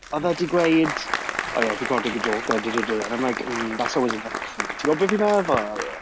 Oedd e 'di gweud "oh yeah if you can't take a joke then duh-duh-duh-duh." And I'm like hmm that's always an ick for me* Ti'n gwybod be fi'n meddwl?